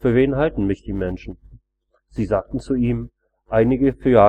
wen halten mich die Menschen? Sie sagten zu ihm: Einige für